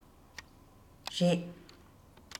རེད